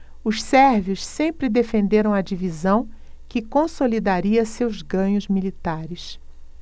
os sérvios sempre defenderam a divisão que consolidaria seus ganhos militares